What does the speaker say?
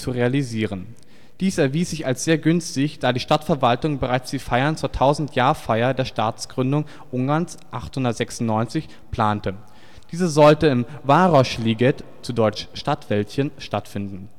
realisieren. Dies erwies sich als sehr günstig, da die Stadtverwaltung bereits die Feiern zur 1000-Jahr-Feier der Staatsgründung Ungarns (896) plante. Diese sollten im Városliget (zu deutsch: Stadtwäldchen) stattfinden